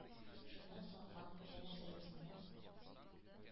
Шуннан соң хан Хуҗа Насретдинны